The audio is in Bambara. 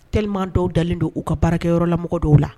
Kɛlɛman dɔw dalen don u ka baarakɛyɔrɔ la mɔgɔ dɔw la